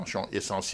Esan sen